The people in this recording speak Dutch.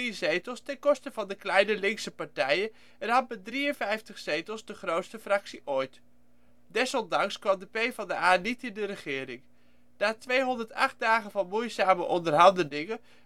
zetels, ten koste van de kleine linkse partijen, en had met 53 zetels de grootste fractie ooit. Desondanks kwam de PvdA niet in de regering. Na 208 dagen van moeizame onderhandelingen